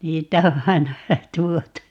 niitä on aina vähän tuotu ja